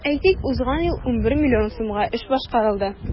Әйтик, узган ел 11 миллион сумга эш башкарылды.